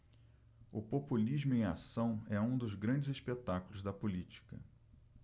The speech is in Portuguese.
o populismo em ação é um dos grandes espetáculos da política